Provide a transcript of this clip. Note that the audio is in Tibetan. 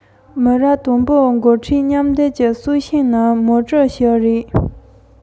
མའོ ཀྲུའུ ཞིས འགོ ཁྲིད ཀྱི སྲོག ཤིང གནང བར བརྟེན རིག གནས གསར བརྗེ ཆེན པོས གུང ཁྲན ཏང གཏོར ཕམ གཏོང ཐུབ མེད